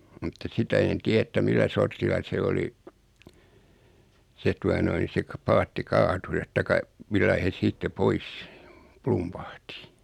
mutta sitä en tiedä että millä sortilla se oli se tuota noin se - paatti kaatui että taikka millä lailla he sitten pois plumpahti